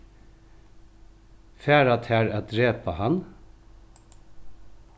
fara tær at drepa hann